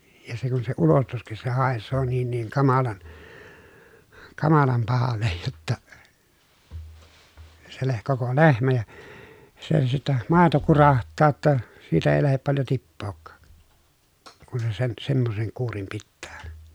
ja se kun se ulostuskin se haisee niin niin kamalan kamalan pahalle jotta se - koko lehmä ja se sitten maito kurahtaa jotta siitä ei lähde paljon tippaakaan kun se sen semmoisen kuurin pitää